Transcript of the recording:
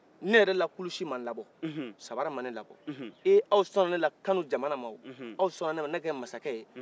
ne yɛrɛ lakulusi ma n labɔ samara ma ne labɔ eh aw sɔnan ne la kanu jamana lawo aw sɔnan ne ka kɛ masakɛ ye